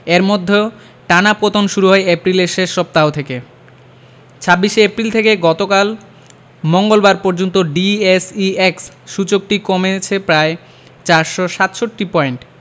এর মধ্যেও টানা পতন শুরু হয় এপ্রিলের শেষ সপ্তাহ থেকে ২৬শে এপ্রিল থেকে গতকাল মঙ্গলবার পর্যন্ত ডিএসইএক্স সূচকটি কমেছে প্রায় ৪৬৭ পয়েন্ট